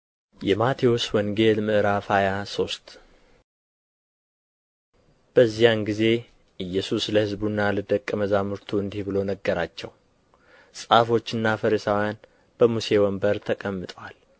﻿የማቴዎስ ወንጌል ምዕራፍ ሃያ ሶስት በዚያን ጊዜ ኢየሱስ ለሕዝቡና ለደቀ መዛሙርቱ እንዲህ ብሎ ነገራቸው ጻፎችና ፈሪሳውያን በሙሴ ወንበር ተቀምጠዋል